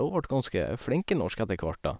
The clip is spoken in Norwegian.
Og hun vart ganske flink i norsk etter kvart, da.